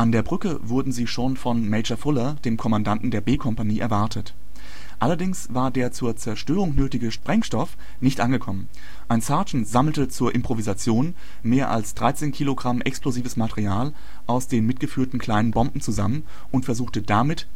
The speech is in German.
der Brücke wurden sie schon von Major Fuller, dem Kommandanten der B-Kompanie, erwartet. Allerdings war der zur Zerstörung nötige Sprengstoff nicht angekommen. Ein Sergeant sammelte zur Improvisation mehr als 13 Kilogramm explosives Material aus den mitgeführten kleinen Bomben zusammen und versuchte damit